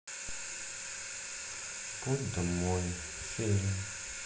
путь домой фильм